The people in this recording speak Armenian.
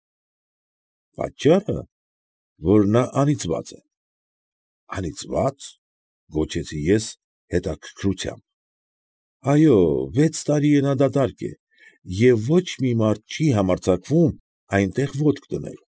֊ Պատճառը, որ նա անիծված է։ ֊ Անիծվա՞ծ, ֊ գոչեցի ես հետաքրքրությամբ։ ֊ Այո, վեց տարի է նա դատարկ է, և ոչ մի մարդ չի համարձակվում այնտեղ ոտք դնել։